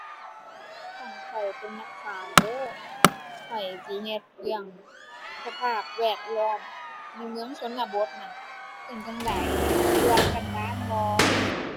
คันข้อยเป็นนักข่าวเด้อ ข้อยสิเฮ็ดเรื่องสภาพแวดล้อมในเมืองชนบทน่ะเป็นจั่งใด ทุรกันดารบ่